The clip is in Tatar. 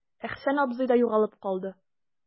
Әхсән абзый да югалып калды.